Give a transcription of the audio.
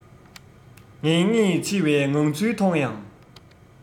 ངེས ངེས འཆི བའི ངང ཚུལ མཐོང ཡང